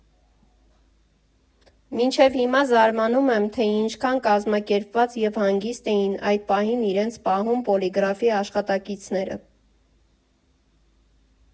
Մինչև հիմա զարմանում եմ, թե ինչքան կազմակերպված և հանգիստ էին այդ պահին իրենց պահում Պոլիգրաֆի աշխատակիցները։